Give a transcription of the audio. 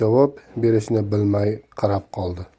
javob berishini bilmay qarab qoldi